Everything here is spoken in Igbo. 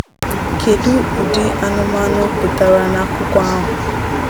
"Kedu ụdị ụmụanụmanụ pụtara n'akụkọ ahụ?"